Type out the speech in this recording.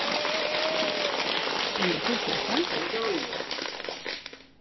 rindar tú fyri hetta